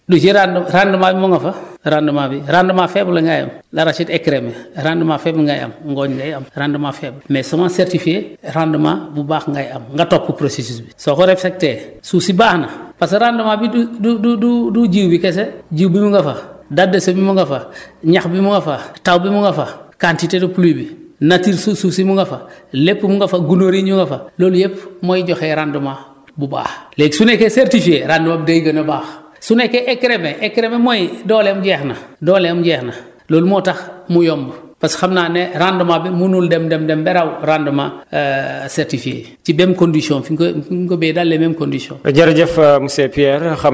donc certifié bi du ci rendement bi mu nga fa rendement bi rendement faible la ngay am l' arachide écrémé rendement faible ngay am ngooñ ngay am rendement faible mais semence certifiée rendement bu baax ngay am nga topp processus bi soo ko respecté suuf si baax na parce que rendement bi du du du du du jiw bi kese jiw bi mu nga fa date de semis mu nga fa ñax bi mu nga fa taw bi mu nga fa quantité de pluie bi nature su suuf si mu nga fa lépp mu nga fa guóor yi ñu nga fa loolu yëpp mooy joxe rendement bu baax léegi su nekkee certifié rendement bi day gën a baax su nekkee écrémé écrémé mooy dooleem jeex na dooleem jeex na loolu moo tax mu yomb parce que xam naa ne rendement bi mënul dem dem ba raw rendement certifié ci même condition fi mu koy fi mu koy béyee dans les même conditions